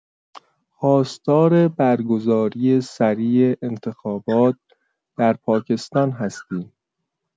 خواستار برگزاری سریع انتخابات در پاکستان هستیم.